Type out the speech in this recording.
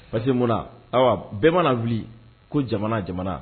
Parce que mun ayiwa bɛɛ wuli ko jamana jamana